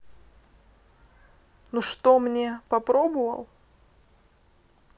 ну что мне poproboval